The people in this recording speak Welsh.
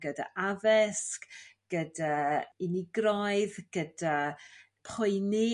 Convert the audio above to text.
gyda addysg gyda unigroedd gyda poeni